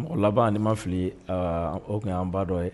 Mɔgɔ laban ni n ma fili, o tun y'an ba dɔ ye.